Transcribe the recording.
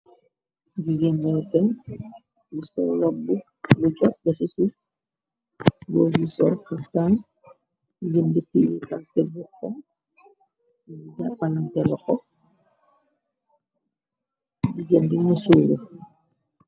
Jigendee sen bi sa lobb mika ba cisuf boo bi sor paftaan ginbiti yi faltebbu xo yi japalantela xo jigendi mu suuru.